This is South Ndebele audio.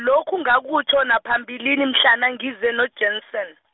lokhu, ngakutjho naphambilini mhlana ngize noJanson.